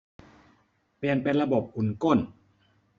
เปลี่ยนเป็นระบบอุ่นก้น